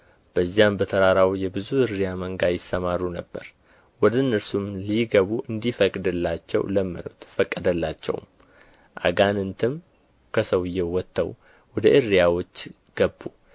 በዚያም በተራራው የብዙ እሪያ መንጋ ይሰማሩ ነበር ወደ እነርሱም ሊገቡ እንዲፈቅድላቸው ለመኑት ፈቀደላቸውም አጋንንትም ከሰውዬው ወጥተው ወደ እሪያዎች ገቡ